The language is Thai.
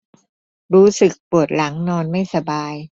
รู้สึกปวดหลังนอนไม่สบาย